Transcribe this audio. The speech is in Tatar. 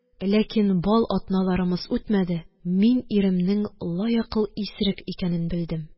Ләкин бал атналарымыз үтмәде, мин иремнең лаякыл исерек икәнен белдем.